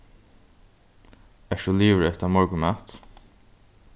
ert tú liðugur at eta morgunmat